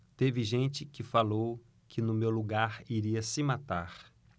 teve gente que falou que no meu lugar iria se matar